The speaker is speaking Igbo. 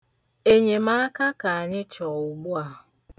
Enyemaka ka anyị chọ ugbu a.